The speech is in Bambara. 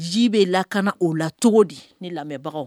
Ji bɛ lakana o la cogo di ne lamɛnbagaw?